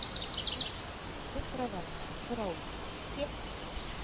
шифровальщик караоке текст